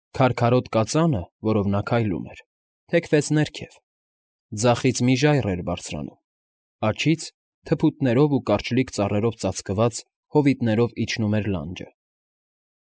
Քարքարոտ կածանը, որով նա քայլում էր, թեքվեց ներքև, ձախից մի ժայռ էր բարձրանում, աջից՝ թփուտներով ու կարճլիկ ծառերով ծածկված հովիտներով իջնում էր լանջը։